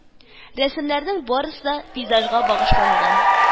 Рәсемнәрнең барысы да пейзажга багышланган